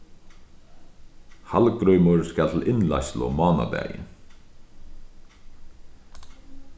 hallgrímur skal til innleiðslu mánadagin